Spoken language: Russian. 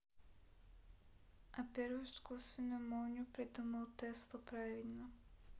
а первую искусственную молнию придумал тесла правильно